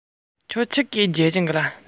ཁོས གཞི ནས ང རང ཁོའི འགྲམ དུ